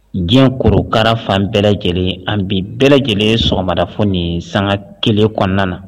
Diɲɛ korokara fan bɛɛ lajɛlen an bɛ bɛɛ lajɛlen sɔgɔmada kunnafoni ni san kelen kɔnɔna na